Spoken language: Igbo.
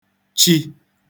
-chi